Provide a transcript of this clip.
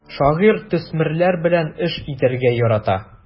Шагыйрь төсмерләр белән эш итәргә ярата.